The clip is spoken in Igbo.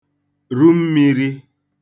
ru mmīrī